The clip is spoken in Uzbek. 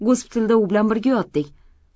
gospitalda u bilan birga yotdik